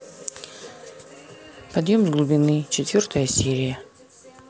подъем с глубины четвертая серия